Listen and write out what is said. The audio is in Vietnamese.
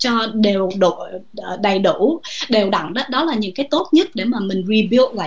cho đều đổ đầy đủ đều đặn đất đó là những cái tốt nhất để mà mình rì biêu lại